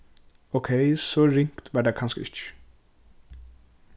ókey so ringt var tað kanska ikki